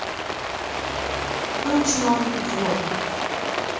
ручной ввод